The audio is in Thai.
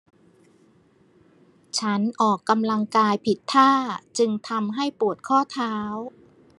ฉันออกกำลังกายผิดท่าจึงทำให้ปวดข้อเท้า